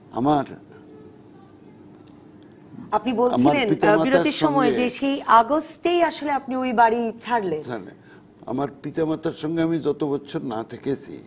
আমার আপনি বলছিলেন আমার পিতা মাতার সঙ্গে বিরতির সময় আগস্টেই আসলে আপনি ওই বাড়ি ছাড়লেন আমার পিতা মাতার সঙ্গে আমি যত বৎসর না থেকেছি